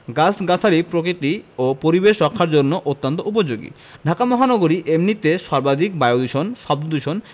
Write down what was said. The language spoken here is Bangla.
গাছগাছালি প্রকৃতি ও পরিবেশ রক্ষার জন্যও অত্যন্ত উপযোগী ঢাকা মহানগরী এমনিতেই সর্বাধিক বায়ুদূষণ শব্দদূষণ